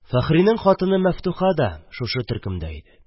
Фәхринең хатыны Мәфтуха да шушы төркемдә иде.